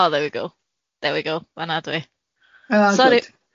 Oh, dder wi gow, dder we gow, fa'na 'dw i. Oh gwd.